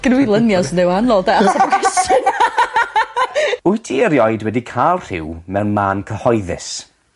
Gynna fi lynia sy'n deud wahanol 'de? Wyt ti erioed wedi ca'l rhyw mewn man cyhoeddus?